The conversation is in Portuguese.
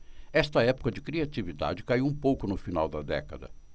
esta época de criatividade caiu um pouco no final da década